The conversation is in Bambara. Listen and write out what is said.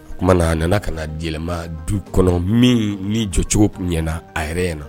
O tuma na a nana ka na yɛlɛma du kɔnɔ min ni jɔcogo tun ɲana a yɛrɛ ɲɛna